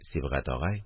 Сибгать агай